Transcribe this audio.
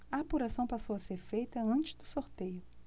a apuração passou a ser feita antes do sorteio